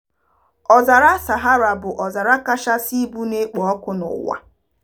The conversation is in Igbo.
Ọzara Sahara bụ ọzara kachasi ibu na-ekpo ọkụ n'ụwa.